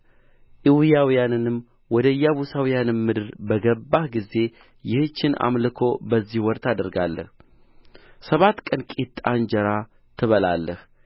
ኤዊያውያንም ወደ ኢያቡሳውያንም ምድር ባገባህ ጊዜ ይህችን አምልኮ በዚህ ወር ታደርጋለህ ሰባት ቀን ቂጣ እንጀራ ትበላለህ